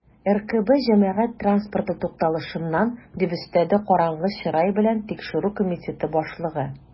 "ркб җәмәгать транспорты тукталышыннан", - дип өстәде караңгы чырай белән тикшерү комитеты башлыгы.